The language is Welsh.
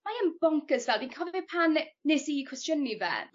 mae yn boncyrs fel fi'n cofio fe pan ne- nes i cwestiyni fe